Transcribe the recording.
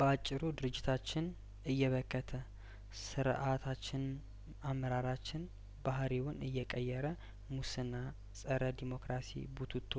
ባጭሩ ድርጅታችን እየበከተ ስርአታችን አመራራችን ባህርይውን እየቀየረ ሙስና ጸረ ዴሞክራሲ ቡትቶ